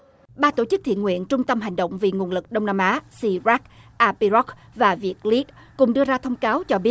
ba tổ chức thiện nguyện trung tâm hành động vì nguồn lực đông nam á si bách a pi lóc và việc liếc cùng đưa ra thông cáo cho biết